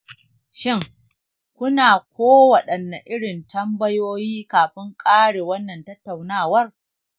shin ku na kowaɗanne irin tambayoyi kafin ƙare wannan tattaunawar?